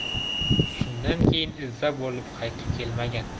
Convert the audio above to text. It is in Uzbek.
shundan keyin izza bo'lib qaytib kelmagan